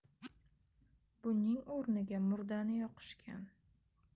buning o'rniga murdani yoqishgan